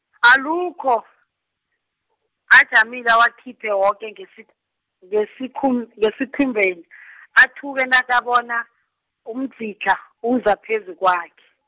alikho, ajamile awakhiphe woke ngesik- ngesikhum- ngesikhumbeni , athuke nakabona, umdzidlha, uza phezu kwakhe.